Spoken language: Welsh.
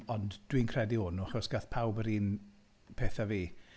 Ond dwi'n credu o'n nhw achos gaeth pawb yr un peth â fi.